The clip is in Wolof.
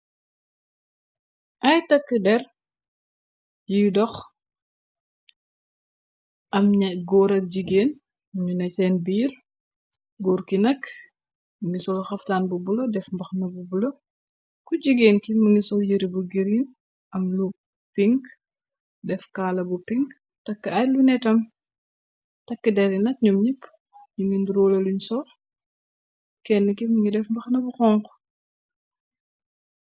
Ay takk der yiy dox am na góor ak jigéen nyu nay seen biir góor ki nakk ngi sol xaftaan bu bulo def mbaxna bu bula ku jigéen ci mu ngi so yëre bu girin am lu pink def kaala bu pink takk ay lu netam takk der i nat num nipp yu ninroole luñ sor kenn ki mu ngi def mbaxna bu xonko.